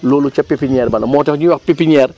loolu ca pépinière ba la moo tax ñuy wax pépinière